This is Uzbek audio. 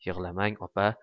yig'lamang opa